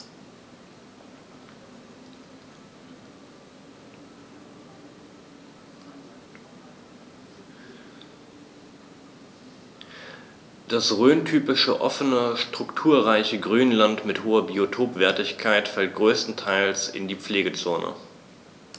Das rhöntypische offene, strukturreiche Grünland mit hoher Biotopwertigkeit fällt größtenteils in die Pflegezone.